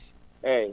eey